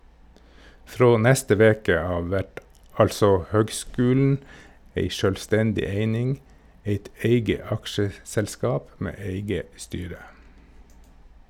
Frå neste veke av vert altså høgskulen ei sjølvstendig eining, eit eige aksjeselskap med eige styre.